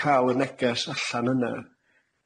ca'l y neges allan yna.